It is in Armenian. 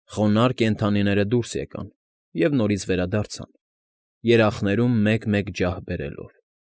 Խոնարհ կենդանիները դուրս եկան և նորից վերադարձան՝ երախներում մեկ֊մեկ ջահ բերելով։